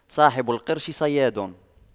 صاحب القرش صياد